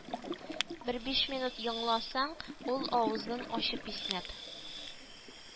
Бер биш минут йоңласаң ул авызын ачып иснәп